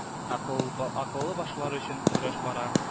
Акыллы акыллыбашлар өчен көрәш бара